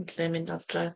Yn lle mynd adref?